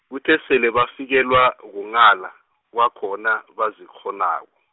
kuthe sele bafikelwa kunghala, kwakhona abazikghonako.